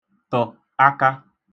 tə̣̀ aka